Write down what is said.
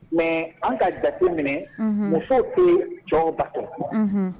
Mɛ an ka dato minɛ musoww tɛ jɔn ba kɔnɔ